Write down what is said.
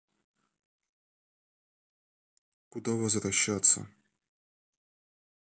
куда возвращаться